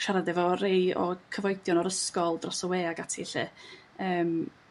siarad efo rhei o cyfoedion o'r ysgol dros y we ag ati 'll yrm.